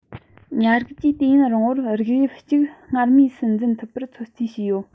ཉ རིགས ཀྱིས དུས ཡུན རིང པོར རིགས དབྱིབས གཅིག སྔར མུས སུ འཛིན ཐུབ པར ཚོད རྩིས བྱས ཡོད